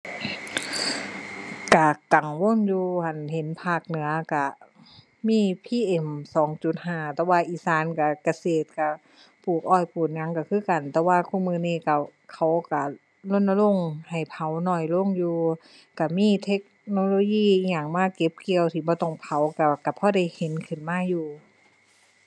ก็กังวลอยู่ คันเห็นภาคเหนือก็มี PM2.5 แต่ว่าอีสานก็ เกษตรก็ปลูกอ้อย ปลูกหยังก็คือกัน แต่ว่าคุมื้อนี้ก็ เขาก็รณรงค์ให้เผาน้อยลงอยู่ ก็มีเทคโนโลยีอิหยังมาเก็บเกี่ยวที่บ่ต้องเผา ก็ ก็พอได้เห็นขึ้นมาอยู่